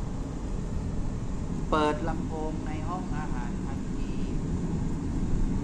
เปิดลำโพงในห้องอาหารทันที